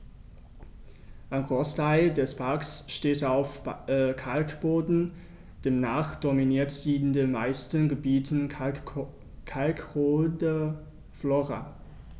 Ein Großteil des Parks steht auf Kalkboden, demnach dominiert in den meisten Gebieten kalkholde Flora.